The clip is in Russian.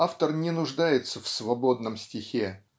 автор не нуждается в "свободном стихе"